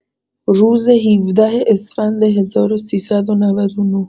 روز ۱۷ اسفند ۱۳۹۹